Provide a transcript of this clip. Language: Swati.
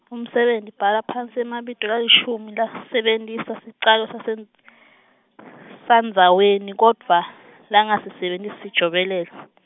umsebenti, bhala phasi emabito lalishumi lasebentisa sicalo sase n-, sandzaweni, kodvwa, langasisebentisi sijobelelo.